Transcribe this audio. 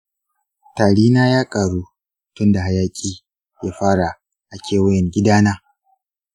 tari na ya ƙaru tun da hayaƙi ya fara a kewayen gidana.